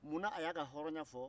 munna a y'a ka hɔrɔnya fɔ